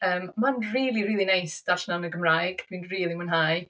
Yym mae'n rili, rili neis darllen o yn y Gymraeg. Dwi'n rili mwynhau.